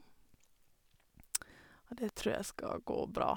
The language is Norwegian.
Og det tror jeg skal gå bra.